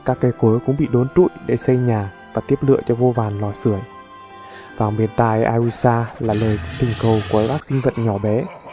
cây cối cũng bị đốn trụi để xây nhà và tiếp lửa cho vô vàn lò sưởi vang bên tai aiushtha là lời thỉnh cầu của các sinh vật bé nhỏ